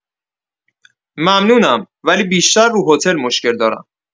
ممنونم ولی بیشتر رو هتل مشکل دارم